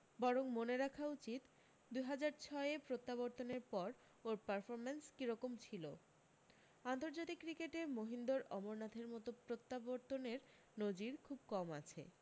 বরং মনে রাখা উচিত দু হাজার ছয় এ প্রত্যাবর্তনের পর ওর পারফরম্যান্স কী রকম ছিল আন্তর্জাতিক ক্রিকেটে মহিন্দর অমরনাথের মতো প্রত্যাবর্তনের নজির খুব কম আছে